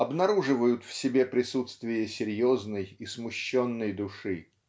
обнаруживают в себе присутствие серьезной и смущенной души.